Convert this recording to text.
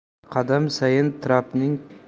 qadam sayin trapning